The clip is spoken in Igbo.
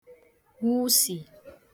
wụsì